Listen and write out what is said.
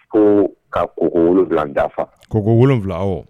Ko ka ko ko 7 dafa , ko ko 7